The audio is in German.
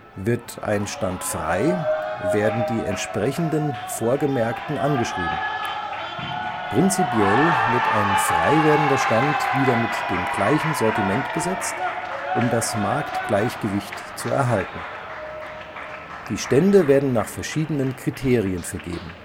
Wird ein Stand frei, werden die entsprechenden Vorgemerkten angeschrieben. Prinzipiell wird ein freiwerdender Stand wieder mit dem gleichen Sortiment besetzt, um das Marktgleichgewicht zu erhalten. Die Stände werden nach verschiedenen Kriterien vergeben